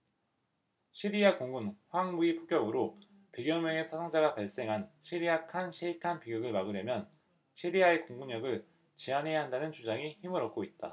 시리아 공군 화학무기 폭격으로 백 여 명의 사상자가 발생한 시리아 칸 셰이칸 비극을 막으려면 시리아의 공군력을 제한해야 한다는 주장이 힘을 얻고 있다